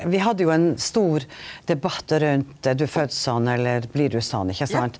vi hadde jo ein stor debatt rundt er du fødd sånn eller blir du sånn ikkje sant.